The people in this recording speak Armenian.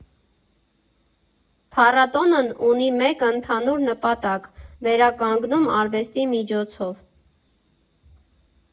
Փառատոնն ունի մեկ ընդհանուր նպատակ՝ վերականգնում արվեստի միջոցով։